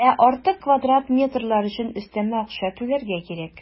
Ә артык квадрат метрлар өчен өстәмә акча түләргә кирәк.